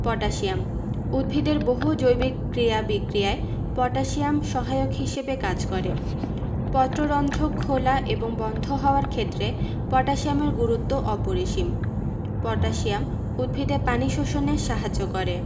potassium উদ্ভিদের বহু জৈবিক ক্রিয়া বিক্রিয়ায় পটাশিয়াম সহায়ক হিসেবে কাজ করে পত্ররন্ধ্র খেলা এবং বন্ধ হওয়ার ক্ষেত্রে পটাশিয়ামের গুরুত্ব অপরিসীম পটাশিয়াম উদ্ভিদে পানি শোষণে সাহায্য করে